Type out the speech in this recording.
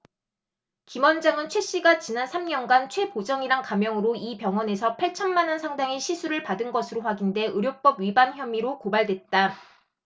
김 원장은 최씨가 지난 삼 년간 최보정이란 가명으로 이 병원에서 팔천 만원 상당의 시술을 받은 것으로 확인돼 의료법 위반 혐의로 고발됐다